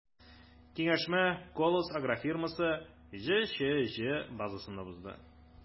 Киңәшмә “Колос” агрофирмасы” ҖЧҖ базасында узды.